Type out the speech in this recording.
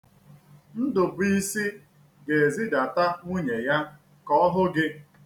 Ndubiisi ga-ezidata nwunye ya ka ọ hụ gị.